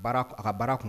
Baak , a ka baara kun